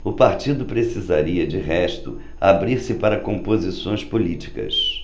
o partido precisaria de resto abrir-se para composições políticas